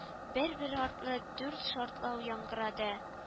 Бер-бер артлы дүрт шартлау яңгырады